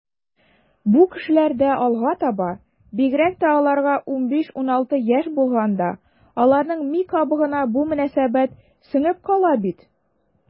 Бу кешеләрдә алга таба, бигрәк тә аларга 15-16 яшь булганда, аларның ми кабыгына бу мөнәсәбәт сеңеп кала бит.